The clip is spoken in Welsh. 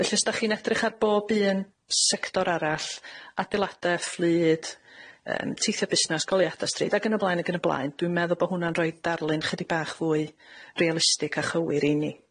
Felly os dach chi'n edrych ar bob un sector arall: Adeilade, fflyd, yym teithio busnes, goliada stryd, ag yn y blaen ag yn y blaen, dwi'n meddwl bo' hwn'na'n roid darlun chydig bach fwy realistig a chywir i ni.